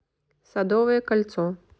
садовое кольцо